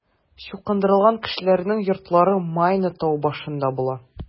Чукындырылган кешеләрнең йортлары Майна тау башында була.